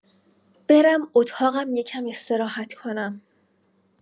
برم اتاقم یکم استراحت کنم.